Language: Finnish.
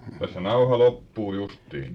tässä nauha loppuu justiin